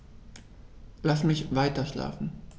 Lass mich weiterschlafen.